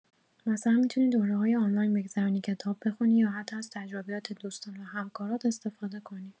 مثلا می‌تونی دوره‌های آنلاین بگذرونی، کتاب بخونی یا حتی از تجربیات دوستان و همکارات استفاده کنی.